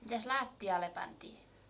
mitäs lattialle pantiin